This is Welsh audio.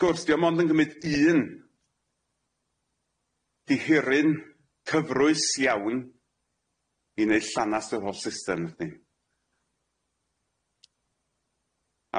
'Th gwrs dio'm ond yn gymyd un dihiryn cyfrwys iawn i neu' llanast o'r holl system yndi?